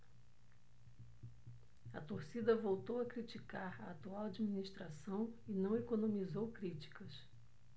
a torcida voltou a criticar a atual administração e não economizou críticas